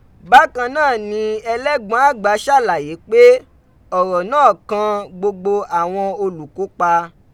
Bakan naa ni ẹlẹgbọn agba ṣalaye pe ọ̀rọ̀ naa kan gbogbo awọn olukopa.